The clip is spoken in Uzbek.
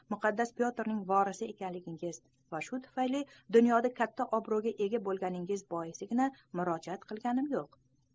muqaddas petrning vorisi ekanligingiz va shu tufayli dunyoda katta obro'ga ega bo'lganingiz boisidangina murojaat qilayotganim yo'q